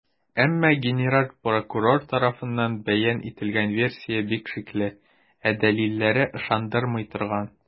Әмма генераль прокурор тарафыннан бәян ителгән версия бик шикле, ә дәлилләре - ышандырмый торган.